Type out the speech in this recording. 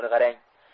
buni qarang